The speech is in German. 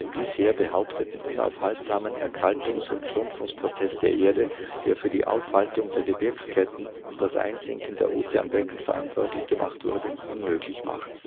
bisher behaupteten unaufhaltsamen Erkaltungs - und Schrumpfungsprozess der Erde, der für die Auffaltung der Gebirgsketten und das Einsinken der Ozeanbecken verantwortlich gemacht wurde, unmöglich machen